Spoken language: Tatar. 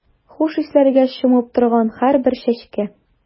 Хуш исләргә чумып торган һәрбер чәчкә.